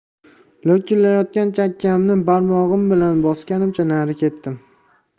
lo'qillayotgan chakkamni barmog'im bilan bosgancha nari ketdim